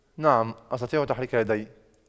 نعم أستطيع تحريك يدي